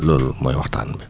loolu mooy waxtaan bi